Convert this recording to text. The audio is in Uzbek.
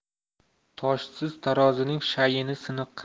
toshsiz tarozining shayini siniq